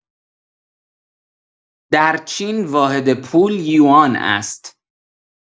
در چین واحد پول یوآن است.